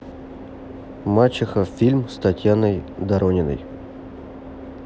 мачеха фильм с татьяной дорониной